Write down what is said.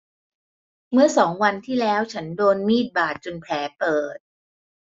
เมื่อสองวันที่แล้วฉันโดนมีดบาดจนแผลเปิด